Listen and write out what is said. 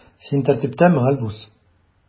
Син тәртиптәме, Альбус?